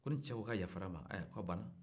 ko ni cɛ ko k'a yafara ma ee ayiwa k''a banna